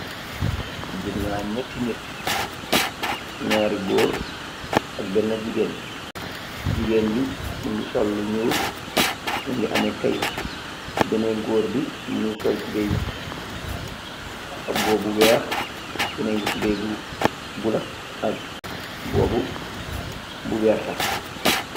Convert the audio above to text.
Nyatti nitt, nyarri goor aj behna jigeen, jigeen bi mugeih sol lu njuul mugeih ahmeh kehheet, behna goor bi mbuba bu weeh kehneen ki mugeih sol mbuba bu weerta.